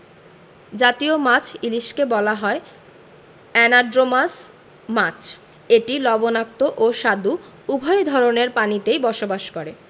জতীয় মাছ ইলিশকে বলা হয় অ্যানাড্রোমাস মাছ এটি লবণাক্ত ও স্বাদু উভয় ধরনের পানিতেই বসবাস করে